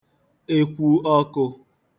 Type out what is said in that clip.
ekwu ọkụ̄